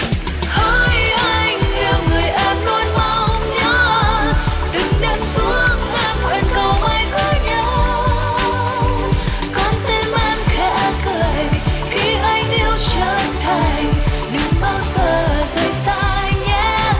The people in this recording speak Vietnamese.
hỡi anh yêu người em luôn mong nhớ từng đêm xuống em nguyện cầu mãi có nhau con tim em khẽ cười khi anh yêu chân thành đừng bao giờ rời xa nhé